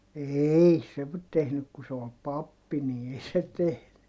ei se - tehnyt kun se oli pappi niin ei se tehnyt